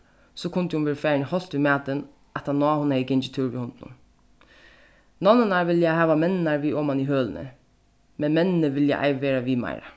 so kundi hon verið farin í holt við matin aftan á hon hevði gingið túr við hundinum nonnurnar vilja hava menninar við oman í hølini men menninir vilja ei vera við meira